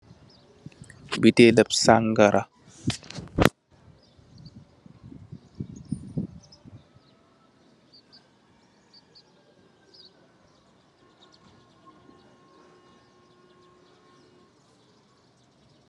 Biteelab saangara